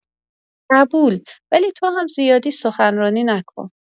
قبول، ولی تو هم زیادی سخنرانی نکن.